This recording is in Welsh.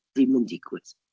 Ddim yn ddigwydd.